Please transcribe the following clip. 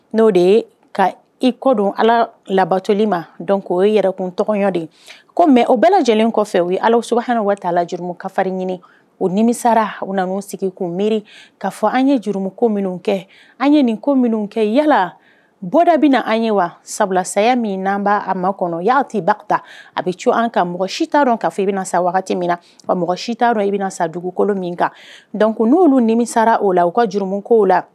N'o de ye ka iko don ala latɔli ma dɔn k' o ye yɛrɛkun tɔgɔ de ko mɛ o bɛɛ lajɛlenlen kɔfɛ u ye ala sugu waati t'a la jurumu kafarin ɲini o nimisara u na' sigi kun miiri ka fɔ an ye juruumu ko minnu kɛ an ye nin ko minnu kɛ yalala bɔda bɛ na an ye wa sabula saya min n'an b'a ma kɔnɔ y'a tɛ baw ta a bɛ c an ka mɔgɔ si t dɔn ka i bɛna na sa wagati min na wa mɔgɔ si t'a dɔn i bɛna na sa dugukolo min kan don n'olu nimisara o la u ka juruumu kow la